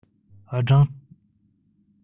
སྦྲང རྩི འཚོལ སྡུད ཀྱི དུས ཚོད ཀྱང གྲོན ཆུང བྱས འདུག པ དང